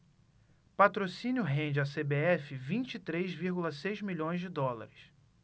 patrocínio rende à cbf vinte e três vírgula seis milhões de dólares